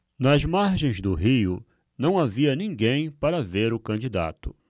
nas margens do rio não havia ninguém para ver o candidato